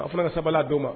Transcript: A fana ka saba di ma